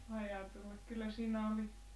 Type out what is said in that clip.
ajatella kyllä siinä oli